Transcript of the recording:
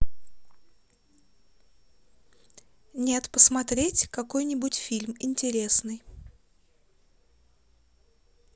нет посмотреть какой нибудь фильм интересный